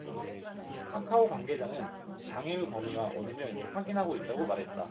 카카오 관계자는 장애의 범위와 원인을 확인하고 있다 고 말했다